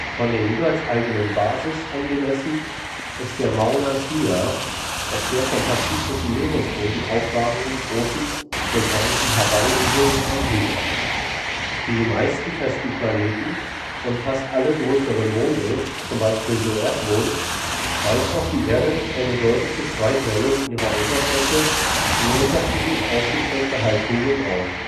Von der jeweils eigenen Basis an gemessen ist der Mauna Kea auf der vom pazifischen Meeresboden aufragenden großen vulkanischen Hawaii-Insel am höchsten. Landhalbkugel Wasserhalbkugel Wie die meisten festen Planeten und fast alle größeren Monde, zum Beispiel der Erdmond, weist auch die Erde eine deutliche Zweiteilung ihrer Oberfläche in unterschiedlich ausgeprägte Halbkugeln auf